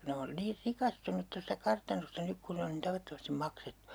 ne on niin rikastunut tuosta kartanosta nyt kun ne on niin tavattomasti maksettu